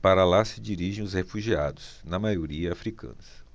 para lá se dirigem os refugiados na maioria hútus